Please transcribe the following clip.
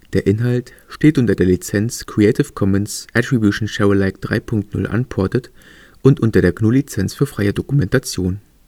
Der Inhalt steht unter der Lizenz Creative Commons Attribution Share Alike 3 Punkt 0 Unported und unter der GNU Lizenz für freie Dokumentation